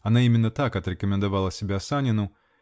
она именно так отрекомендовала себя Санину.